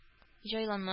Җайланма